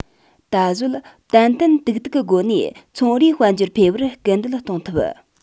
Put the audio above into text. ད གཟོད ཏན ཏན ཏིག ཏིག གི སྒོ ནས ཚོང རའི དཔལ འབྱོར འཕེལ བར སྐུལ འདེད གཏོང ཐུབ